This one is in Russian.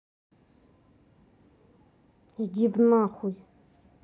иди в нахуй